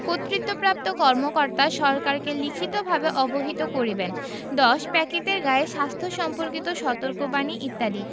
কর্তৃত্বপ্রাপ্ত কর্মকর্তা সরকারকে লিখিতভাবে অবহিত করিবেন ১০ প্যাকেটের গায়ে স্বাস্থ্য সম্পর্কিত সতর্কবাণী ইত্যাদি